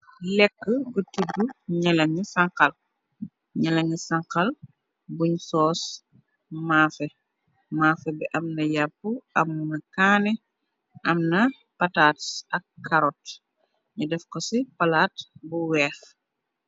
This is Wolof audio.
Lekka bu tudu ñeleengi sangxal, ñeleengi sangxal bin sóós mafeh, mafeh bi am na yapu, am an kanni am na patat ak karot, ñi dèf ko ci palat bu wèèx.